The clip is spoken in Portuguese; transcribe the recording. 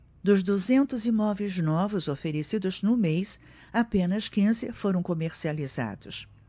dos duzentos imóveis novos oferecidos no mês apenas quinze foram comercializados